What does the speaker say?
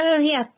Yy ie.